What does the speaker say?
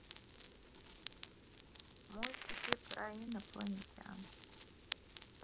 мультики про инопланетян